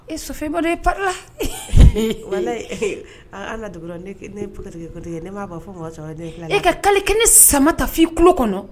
E sofe bɔra e pala ala la ne p ne b'a'a fɔ ma saba e ka kalik ne sama ta' i tulo kɔnɔ